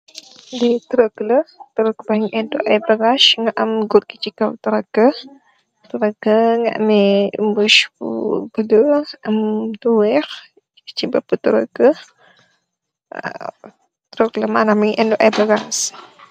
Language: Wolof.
Li truck la truck bagi ebb ay bagass mogi am goor busi kaw trucka trucka gi ameh mbuss bu bulo ak lu weex si mbobi trucka truck la manam mogi enu ay bagass.